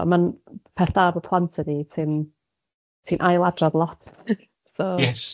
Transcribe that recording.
ond ma'n peth da efo plant ydi, ti'n ti'n ailadrodd lot so... Ie wrth gwrs.